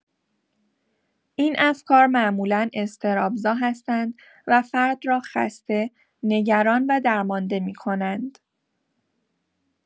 این افکار معمولا اضطراب‌زا هستند و فرد را خسته، نگران و درمانده می‌کنند.